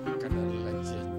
An ka wari cɛ